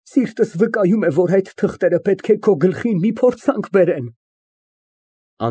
Սիրտս վկայում է, որ այդ թղթերը պետք է քո գլխին մի փորձանք բերեն։